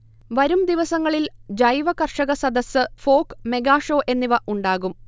വരുംദിവസങ്ങളിൽ ജൈവകർഷകസദസ്സ്, folk mega show എന്നിവ ഉണ്ടാകും